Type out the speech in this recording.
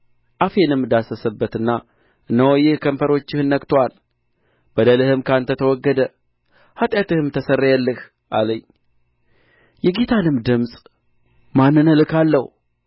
አፌንም ዳሰሰበትና እነሆ ይህ ከንፈሮችህን ነክቶአል በደልህም ከአንተ ተወገደ ኃጢአትህም ተሰረየልህ አለኝ የጌታንም ድምፅ ማንን እልካለሁ